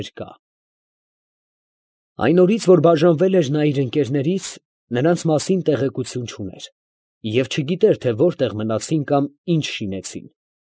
Ներկա… Այն օրից, որ բաժանվել էր նա իր ընկերներից, նրանց մասին տեղեկություն չուներ, և չգիտեր, թե ո՞րտեղ մնացին կամ ի՞նչ շինեցին։